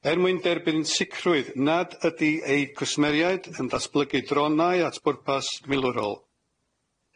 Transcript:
er mwyn derbyn sicrwydd nad ydy eu cwsmeriaid yn ddatblygu dronau at bwrpas milwrol.